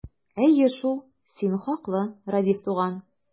Әйе шул, син хаклы, Рәдиф туган!